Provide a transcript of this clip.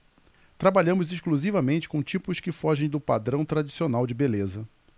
trabalhamos exclusivamente com tipos que fogem do padrão tradicional de beleza